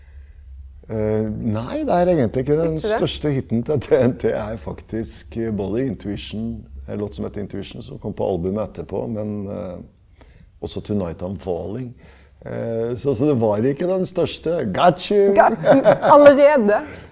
nei det er egentlig ikke det, den største hiten til TNT er faktisk både i Intuition ei låt som het Intuition som kom på albumet etterpå, men også Tonight I'm Falling så så det var ikke den største .